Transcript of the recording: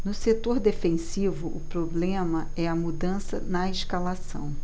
no setor defensivo o problema é a mudança na escalação